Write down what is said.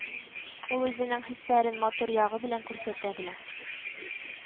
Ул үзенең хисләрен матур ягы белән күрсәтә белә